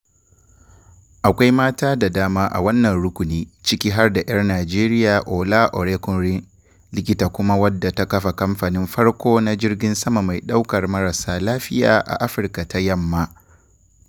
Akwai mata da dama a wannan rukuni, ciki har da 'yar Najeriya Ola Orekunrin, likita kuma wadda ta kafa kamfanin farko na jirgin sama mai ɗaukar marasa lafiya a Afirka ta Yamma.